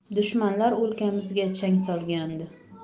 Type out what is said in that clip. dushmanlar o'lkamizga chang solgandi